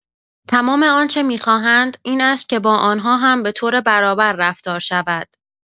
تمام آنچه می‌خواهند، این است که با آن‌ها هم به‌طور برابر رفتار شود.